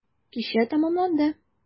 Кичә тәмамланды.